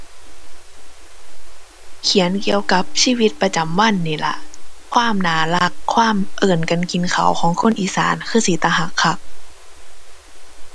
เขียนเกี่ยวกับชีวิตประจำวันนี่ล่ะ ความน่ารัก ความเอิ้นกันกินข้าวของคนอีสาน คือสิตารักคัก